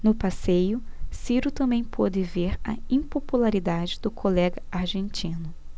no passeio ciro também pôde ver a impopularidade do colega argentino